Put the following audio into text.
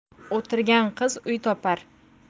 o'tirgan qiz uy topar